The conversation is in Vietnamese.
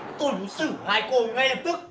tôi muốn xử hai cô ngay lập tức